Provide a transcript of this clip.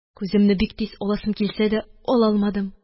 Күземне бик тиз аласым килсә дә – ала алмадым.